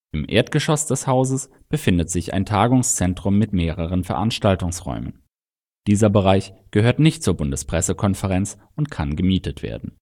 Im Erdgeschoss des Hauses befindet sich auch ein Tagungszentrum mit mehreren Veranstaltungsräumen. Dieser Bereich gehört nicht zur Bundespressekonferenz und kann gemietet werden